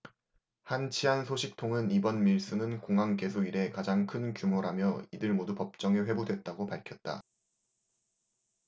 한 치안 소식통은 이번 밀수는 공항 개소 이래 가장 큰 규모라며 이들 모두 법정에 회부됐다고 밝혔다